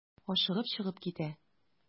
Ашыгып чыгып китә.